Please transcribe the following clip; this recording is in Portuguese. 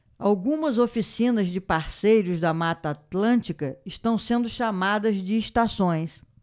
algumas oficinas de parceiros da mata atlântica estão sendo chamadas de estações